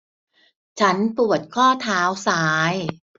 ฉันปวดข้อเท้าซ้าย